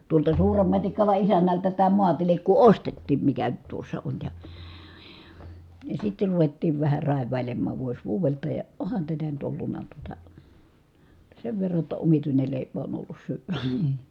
tuolta Suuren Matikkalan isännältä tämä maatilkku ostettiin mikä nyt tuossa on ja ja sitten ruvettiin vähän raivailemaan vuosi vuodelta ja onhan tätä nyt ollut tuota jotta sen verran jotta omituinen leipä on ollut syödä